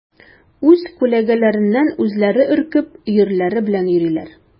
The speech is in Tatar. Үз күләгәләреннән үзләре өркеп, өерләре белән йөриләр.